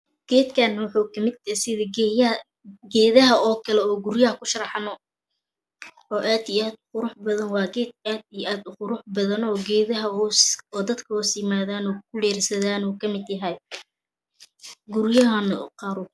geedkan waxa uu ka mid yahay geedaha oo kale oo guryahay aan ku sharaxano oo aad iyo aadka u qurux badan waa geedaha aadka iyo aadka uqurux badan oo dadku hoos yimaadan oo ku leyrsaadan buu ka mid yahay